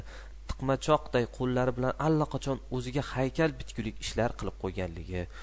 tiqmachoqday qo'llari bilan allaqachon o'ziga haykal bitgulik ishlar qilib qo'yganligi